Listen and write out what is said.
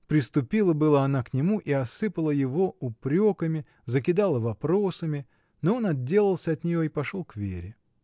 — приступила было она к нему и осыпала его упреками, закидала вопросами — но он отделался от нее и пошел к Вере.